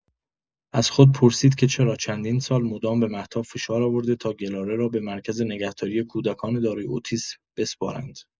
از خود پرسید که چرا چندین سال مدام به مهتاب فشار آورده تا گلاره را به مرکز نگهداری کودکان دارای اتیسم بسپارند؟